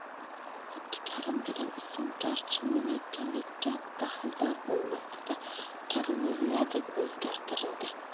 abdukarim degan ism garchi mullalikka daxldor bo'lmasa da karimulla deb o'zgartirildi